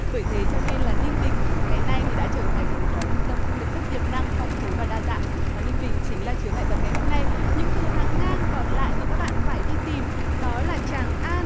bởi thế cho nên là ninh bình ngày nay thì đã trở thành một trung tâm du lịch rất tiềm năng phong phú và đa dạng và ninh bình chính là chướng ngại vật ngày hôm nay những từ hàng ngang còn lại mà các bạn phải đi tìm đó là tràng an